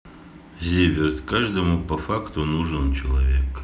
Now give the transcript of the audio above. zivert каждому по факту нужен человек